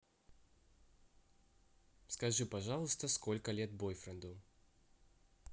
скажи пожалуйста сколько лет бойфренду